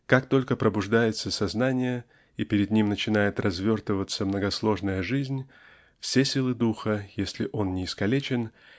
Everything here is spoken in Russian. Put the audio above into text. Как только пробуждается сознание и пред ним начинает развертываться многосложная жизнь все силы духа если он не искалечен